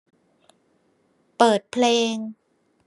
เปิดเพลง